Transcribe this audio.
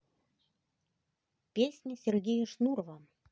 песня сергея шнурова